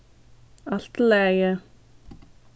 alt í lagi